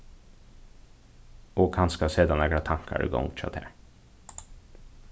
og kanska seta nakrar tankar í gongd hjá tær